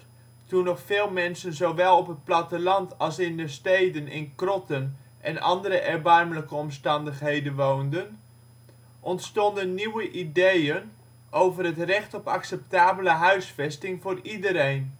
toen nog veel mensen zowel op het platte land als in de steden in krotten en andere erbarmelijke omstandigheden woonden, ontstonden nieuwe ideeën over het recht op acceptabele huisvesting voor iedereen